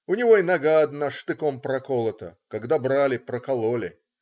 У него и нога одна штыком проколота, когда брали - прокололи".